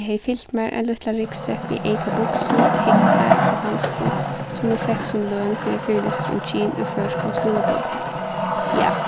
eg hevði fylt mær ein lítlan ryggsekk við eyka buksum húgvu og handskum sum eg fekk sum løn fyri ein fyrilestur um kyn í føroyskum skúlabókum ja